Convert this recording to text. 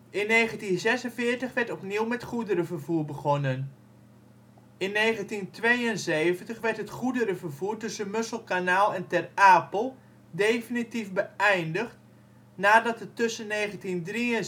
1946 werd opnieuw met goederenvervoer begonnen. In 1972 werd het goederenvervoer tussen Musselkanaal en Ter Apel definitief beëindigd, nadat het tussen 1963 en 1966